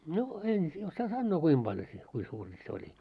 no en osaa sanoa kuinka paljon se kuinka suuri se oli